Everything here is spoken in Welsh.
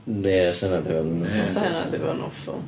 Ie 'sa hynna 'di bod yn... 'Sa hynna 'di bod yn awful.